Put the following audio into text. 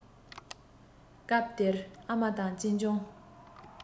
སྐབས དེར ཨ མ དང གཅེན གཅུང